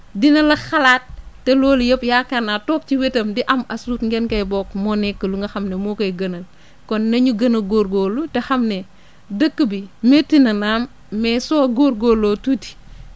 dina la xalaat te loolu yëpp yaakaar naa toog ci wetam di am as tuut ngeen koy bokk moo nekk lu nga xam ne moo koy gënal kon nañu gën a góorgóorlu te xam ne dëkk bi métti na naam mais soo góorgóorloo tuuti